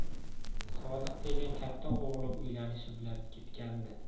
sodiq degan katta o'g'li uylanishi bilan ketgandi